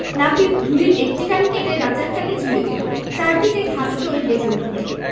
নাপিত ঢুলির একটি কান কেটে রাজার কানে জুড়ে দিল চারদিকে ঢাক ঢোল বেজে উঠল